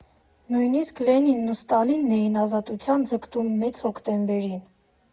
Նույնիսկ Լենինն ու Ստալինն էին ազատության ձգտում Մեծ Հոկտեմբերին։